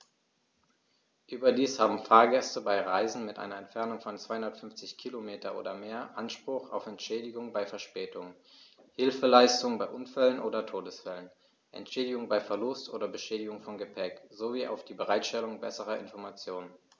Überdies haben Fahrgäste bei Reisen mit einer Entfernung von 250 km oder mehr Anspruch auf Entschädigung bei Verspätungen, Hilfeleistung bei Unfällen oder Todesfällen, Entschädigung bei Verlust oder Beschädigung von Gepäck, sowie auf die Bereitstellung besserer Informationen.